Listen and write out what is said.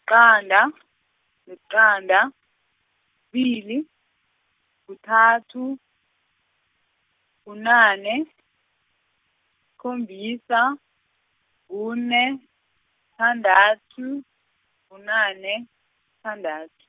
-qanda , liqanda, kubili, kuthathu, bunane, sikhombisa, kune, sithandathu, bunane, sithandath-.